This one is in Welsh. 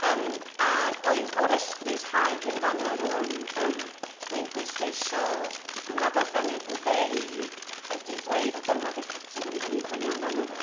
yym ac o'i.... o restru rhai yn fan'na rŵan, yy, dwi'n pwysleisio na fydda... nid yn lle i ydy dweud, "o dyma di'r categori dan ni'n chwilio amdano fo".